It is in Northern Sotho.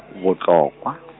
Botlokwa .